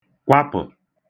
kwapụ̀